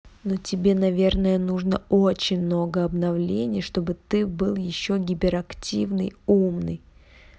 ну тебе наверное нужно очень много обновлений чтобы ты был еще гиперактивный умный